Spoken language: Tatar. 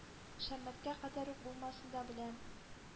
Шәммәткә кадәр үк булмасын да беләм.